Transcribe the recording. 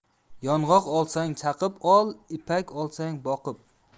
yong'oq olsang chaqib ol ipak olsang boqib